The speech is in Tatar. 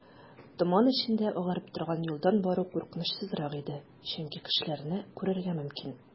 Томан эчендә агарып торган юлдан бару куркынычсызрак иде, чөнки кешеләрне күрергә мөмкин.